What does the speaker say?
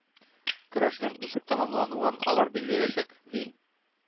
Көрәшнең ничек тәмамлануын алар билгеләячәк, ди.